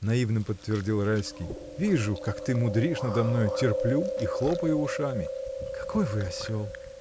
— наивно подтвердил Райский, — вижу, как ты мудришь надо мной, терплю и хлопаю ушами. — Какой вы осел!